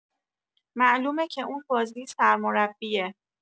معلومه که اون بازی سرمربیه